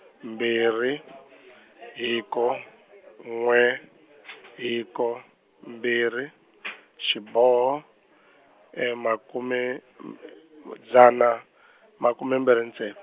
mbirhi , hiko, n'we , hiko, mbirhi , xiboho, makume, dzana makume mbirhi ntsevu.